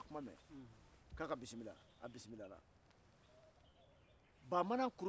min ko ko ni tɛ bɛ ne ma ni tɛ ku ne la a ye fɛn ku o ka jugu nin i ta ye